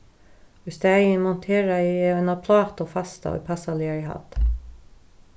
í staðin monteraði eg ein plátu fasta í passaligari hædd